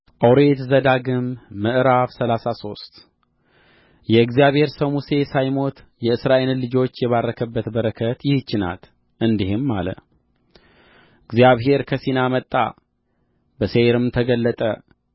ኦሪት ዘዳግም ምዕራፍ ሰላሳ ሶስት የእግዚአብሔር ሰው ሙሴ ሳይሞት የእስራኤልን ልጆች የባረከባት በረከት ይህች ናት እንዲህም አለ እግዚአብሔር ከሲና መጣ በሴይርም ተገለጠ